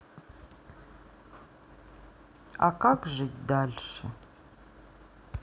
а как жить дальше